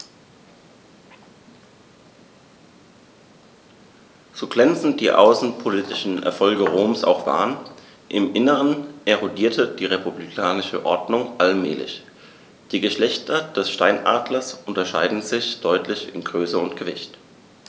So glänzend die außenpolitischen Erfolge Roms auch waren: Im Inneren erodierte die republikanische Ordnung allmählich. Die Geschlechter des Steinadlers unterscheiden sich deutlich in Größe und Gewicht.